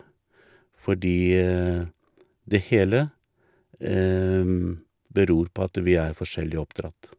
Fordi det hele beror på at vi er forskjellig oppdratt.